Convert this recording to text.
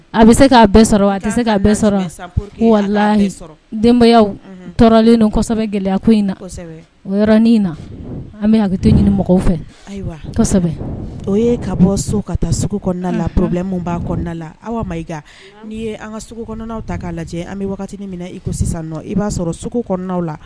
A bɛ se k'a bɛɛ sɔrɔ a tɛ se k' bɛɛ sɔrɔ wa sɔrɔ denbaya tɔɔrɔlen donsɛbɛ gɛlɛya ko in na oɔrɔnin in na an bɛ a to ɲini mɔgɔw fɛ ayiwa o ye ka bɔ so ka taa sugu kɔnɔna la pbi min b' kɔnɔna la aw ma i n'i ye an ka kɔnɔnw ta k'a lajɛ an bɛ wagati min i sisan i b'a sɔrɔ sugu kɔnɔna la